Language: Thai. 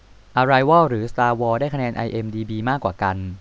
อะไรวอลหรือสตาร์วอร์ได้คะแนนไอเอ็มดีบีมากกว่ากัน